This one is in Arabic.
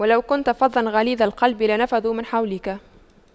وَلَو كُنتَ فَظًّا غَلِيظَ القَلبِ لاَنفَضُّواْ مِن حَولِكَ